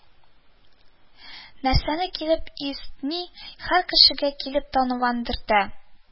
Нәрсәне килеп исни, һәр кешегә килеп танавын төртә